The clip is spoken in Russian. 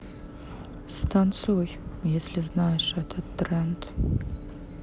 станцуй если знаешь этот тренд